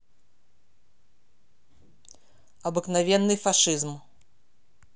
обыкновенный фашизм